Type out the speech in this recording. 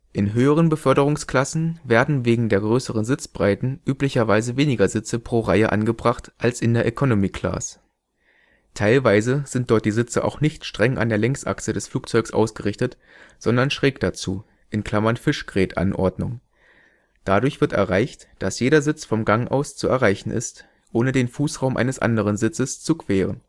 In höheren Beförderungsklassen werden wegen der größeren Sitzbreiten üblicherweise weniger Sitze pro Reihe angebracht als in der Economy Class. Teilweise sind dort die Sitze auch nicht streng an der Längsachse des Flugzeugs ausgerichtet, sondern schräg dazu (Fischgrätanordnung). Dadurch wird erreicht, dass jeder Sitz vom Gang aus zu erreichen ist, ohne den Fußraum eines anderen Sitzes zu queren